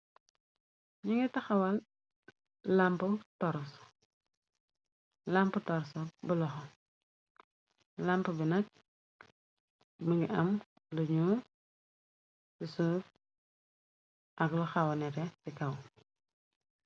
ñingi taxawal làmp torsa bu loxo lamp bi nakk bi ngi am lañu ci suuf ak lu xawa nere ti kaw